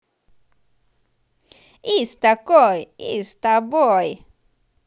из такой is тобой